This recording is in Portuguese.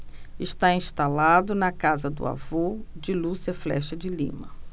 está instalado na casa do avô de lúcia flexa de lima